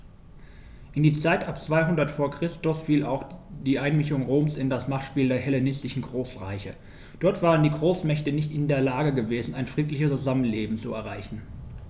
In die Zeit ab 200 v. Chr. fiel auch die Einmischung Roms in das Machtspiel der hellenistischen Großreiche: Dort waren die Großmächte nicht in der Lage gewesen, ein friedliches Zusammenleben zu erreichen.